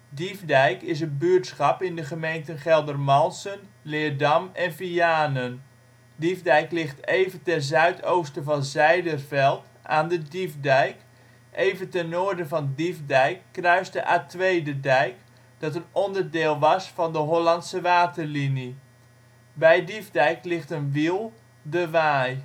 Diefdijk is een buurtschap in de gemeenten Geldermalsen, Leerdam en Vianen. Diefdijk ligt even ten zuidoosten van Zijderveld aan de Diefdijk. Even ten noorden van Diefdijk kruist de A2 de dijk, dat een onderdeel was van de Hollandse Waterlinie. Bij Diefdijk ligt een wiel, De Waai